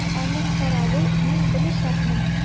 Аның каравы, мин беләчәкмен!